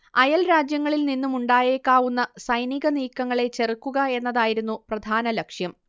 അയൽരാജ്യങ്ങളിൽ നിന്നുമുണ്ടായേക്കാവുന്ന സൈനികനീക്കങ്ങളെ ചെറുക്കുക എന്നതായിരുന്നു പ്രധാന ലക്ഷ്യം